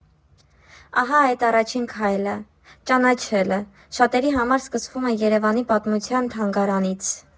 Ահա այդ առաջին քայլը՝ ճանաչելը, շատերի համար սկսվում է Երևանի պատմության թանգարանից։